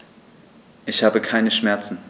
Ich habe keine Schmerzen.